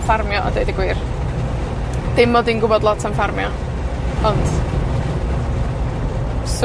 ffarmio a deud y gwir. Dim mod i'n gwbod lot am ffarmio, ond 'swn